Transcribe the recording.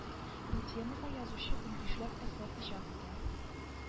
Бу темага язучы унбишләп әсәр иҗат итә